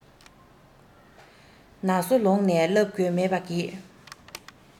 ན སོ ལོངས ནས བསླབས དགོས མེད པ གྱིས